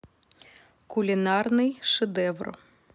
кулинарный шедевр